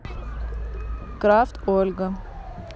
craft ольга